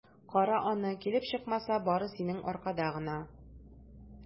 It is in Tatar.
Кара аны, килеп чыкмаса, бары синең аркада гына!